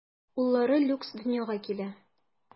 Уллары Люкс дөньяга килә.